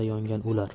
g'amda yongan o'lar